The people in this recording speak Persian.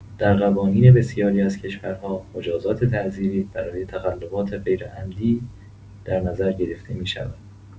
در قوانین بسیاری از کشورها، مجازات تعزیری برای تخلفات غیرعمدی در نظر گرفته می‌شود.